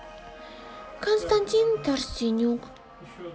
константин торстинюк